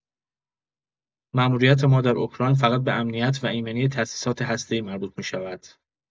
ماموریت ما در اوکراین فقط به امنیت و ایمنی تاسیسات هسته‌ای مربوط می‌شود.